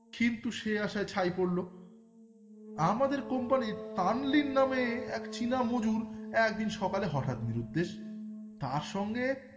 কিন্তু সে আশায় ছাই পড়ল আমাদের কোম্পানির তানলিন নামের এক চীনা মজুর একদিন সকালে হঠাৎ নিরুদ্দেশ তার সঙ্গে